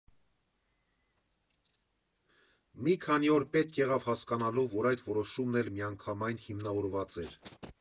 Մի քանի օր պետք եղավ հասկանալու, որ այդ որոշումն էլ միանգամայն հիմնավորված էր։